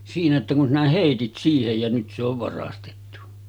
siinä että kun sinä heitit siihen ja nyt se on varastettu